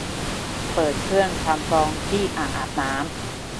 เปิดเครื่องทำฟองที่อ่างอาบน้ำ